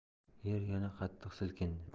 yer yana qattiq silkindi